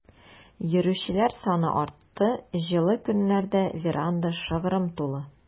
Йөрүчеләр саны артты, җылы көннәрдә веранда шыгрым тулы.